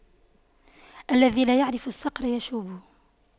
الذي لا يعرف الصقر يشويه